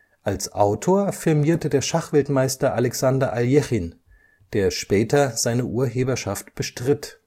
Als Autor firmierte der Schachweltmeister Alexander Aljechin, der später seine Urheberschaft bestritt